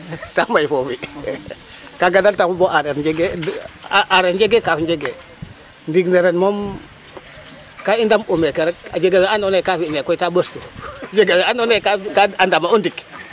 ta may foofi kaaga rek taxu bo aeareer njege a aareer njegee kaaf o njegee ndiig ne ren moom ka i ndam'u neke rek a jegee wa andoona yee ka fi' neeke ka ɓostu a jega wa andoona yee ka ,ka a ndama o ndik.